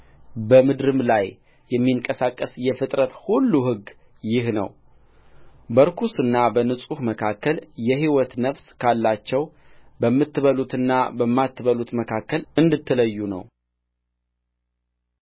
በምድርም ላይ የሚንቀሳቀስ የፍጥረት ሁሉ ሕግ ይህ ነውበርኩስና በንጹሕ መካከል የሕይወት ነፍስ ካላቸውም በምትበሉትና በማትበሉት መካከል እንድትለዩ ነው